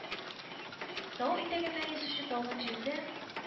Тау итәгеннән исүче талгын җилдә